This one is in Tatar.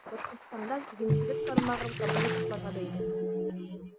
Башкортстанда игенчелек тармагы табигый шартларга бәйле.